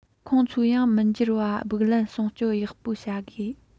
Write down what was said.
ཁོང ཚོ ཡང མི འགྱུར བ སྦུག ལམ སྲུང སྐྱོང ཡག པོ བྱ དགོས